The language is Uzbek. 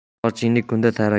sochingni kunda tara